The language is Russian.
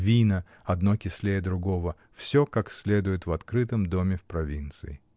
Вина — одно кислее другого — всё как следует в открытом доме в провинции.